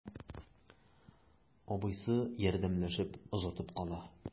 Абыйсы ярдәмләшеп озатып кала.